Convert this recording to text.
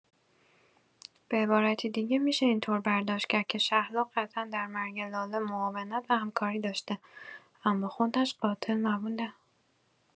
به عبارتی دیگه می‌شه اینطور برداشت کرد که شهلا قطعا در مرگ لاله معاونت و همکاری داشته اما خودش قاتل نبوده.